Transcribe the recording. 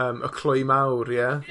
yymy clwy mawr ie...